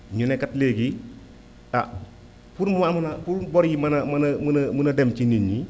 ñu ne kat léegi ah pour mu pour bor yi mën a mën a mën a dem ci nit ñi